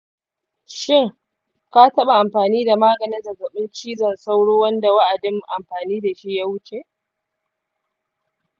shin ka taɓa amfani da maganin zazzabin cizon sauro wanda wa'adin amfani da shi ya wuce?